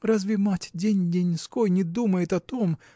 разве мать день-деньской не думает о том